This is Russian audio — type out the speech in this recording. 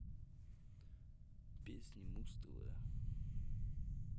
песни муз тв